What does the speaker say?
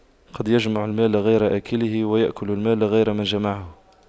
قد يجمع المال غير آكله ويأكل المال غير من جمعه